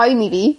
...poeni fi.